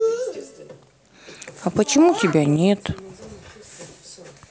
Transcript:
а почему тебя нет